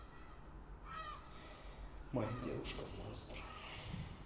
моя девушка монстр